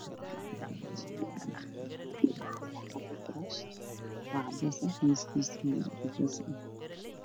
Waxaa yaalo kursi cadaana miiskiisuna waa caddaan